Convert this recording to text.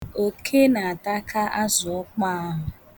Oke na-ataka azụ ọkpọ ahụ